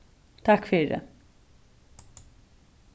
takk fyri